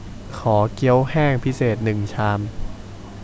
ขอเกี้ยวแห้งพิเศษหนึ่งชาม